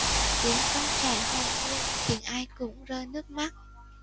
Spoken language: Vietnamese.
tiếng con trẻ hồn nhiên khiến ai cũng rơi nước mắt